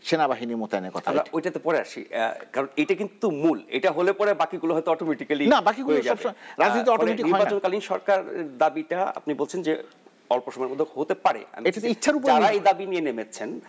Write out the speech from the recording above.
সেনাবাহিনী মোতায়েনের কথাটা ঐটাতে পরে আসে কারণ এইটা কিন্তু মূল এটা হলে পরে বাকিগুলো হয়তো অটোমেটিক্যালি হয়ে যাবে বাকিগুলো না বাকি তো সব সময় অটোমেটিক হয় না নির্বাচনকালীন সরকারের দাবিটা আপনি বলছেন যে অল্প সময়ের মধ্যেই হতে পারে এটা তো ইচ্ছার উপর নির্ভরশীল যারা এই দাবি নিয়ে নেমেছেন